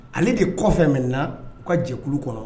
Ale de kɔ kɔfɛ maintenant u ka jɛkulu kɔnɔ